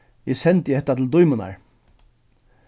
eg sendi hetta til dímunar